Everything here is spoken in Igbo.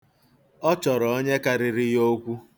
Ọ chọrọ onye karịrị ya okwu.